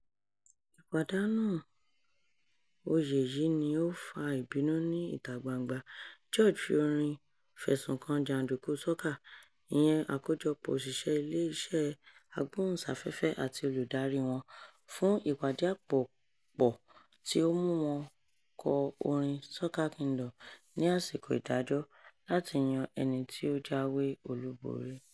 Ìpàdánù oyè yìí ni ó fa ìbínú ní ìta-gbangba, George fi orin fẹ̀sùn kan “jàndùkú soca” – ìyẹn àkójọpọ̀ òṣìṣẹ́ ilé iṣẹ́ agbóhùnsáfẹ́fẹ́ àti olùdaríI wọn – fún ìpàdíàpòpọ̀ tí ó mú wọn kọ orin “Soca Kingdom” ní àsìkò ìdájọ́ láti yan ẹni tí ó jáwé olúborí.